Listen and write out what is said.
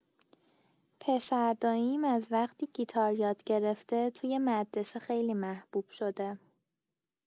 پسر داییم از وقتی گیتار یاد گرفته، توی مدرسه خیلی محبوب شده.